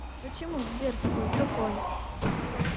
почему сбер такой тупой